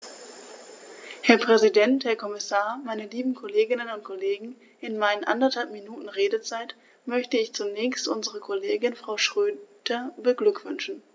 Herr Präsident, Herr Kommissar, meine lieben Kolleginnen und Kollegen, in meinen anderthalb Minuten Redezeit möchte ich zunächst unsere Kollegin Frau Schroedter beglückwünschen.